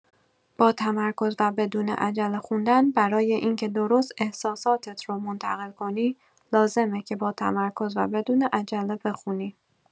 با تمرکز و بدون عجله خوندن برای اینکه درست احساساتت رو منتقل کنی، لازمه که با تمرکز و بدون عجله بخونی.